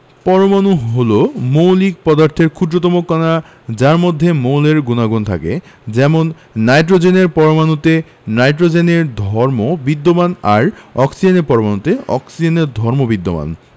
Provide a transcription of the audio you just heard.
পরমাণু হলো মৌলিক পদার্থের ক্ষুদ্রতম কণা যার মধ্যে মৌলের গুণাগুণ থাকে যেমন নাইট্রোজেনের পরমাণুতে নাইট্রোজেনের ধর্ম বিদ্যমান আর অক্সিজেনের পরমাণুতে অক্সিজেনের ধর্ম বিদ্যমান